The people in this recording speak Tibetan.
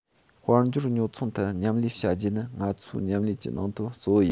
དཔལ འབྱོར ཉོ ཚོང ཐད མཉམ ལས བྱ རྒྱུ ནི ང ཚོའི མཉམ ལས ཀྱི ནང དོན གཙོ བོ ཡིན